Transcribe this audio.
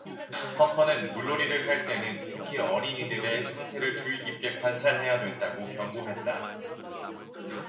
허커는 물놀이를 할 대는 특히 어린이들의 상태를 주의깊게 관찰해야 된다고 경고했다